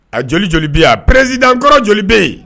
A joli joli bi yan. Président kɔrɔ joli be yen?